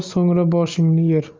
so'ngra boshingni yer